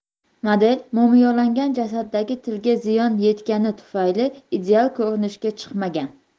model mumiyolangan jasaddagi tilga ziyon yetgani tufayli ideal ko'rinishda chiqmagan